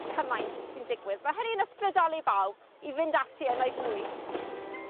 cymaint sy'n digwydd ma' hynny'n ysbrydoli bawb i fynd ati a neud mwy.